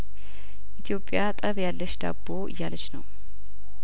ኢትዮጵያ ጠብ ያለሽ ዳቦ እያለች ነው